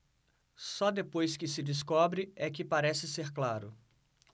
só depois que se descobre é que parece ser claro